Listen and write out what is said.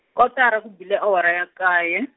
kotara ku bile awara ya nkaye.